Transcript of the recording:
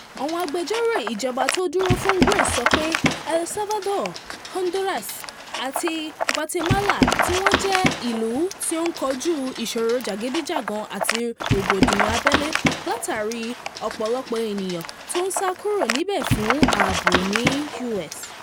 Àwọn agbẹjọ́rò ìjọba tó dúró fún Grace sọ pé El Salvador, Honduras àti Guatemala tí wọ́n jẹ́ ìlú tí ó ń kojú ìṣòro jàgídíjàgan àti rògbòdìyàn abẹ́lé látàríi ọ̀pọ̀lọpọ̀ ènìyàn tó ń sá kúrò níbẹ̀ fún ààbò ní US.